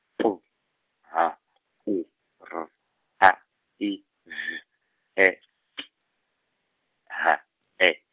P H U R A I Z E P, H E.